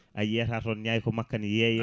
ayiyata toon ñayko makka ne yeeye